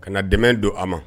Ka na dɛmɛ don a ma